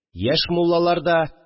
Яшь муллалар да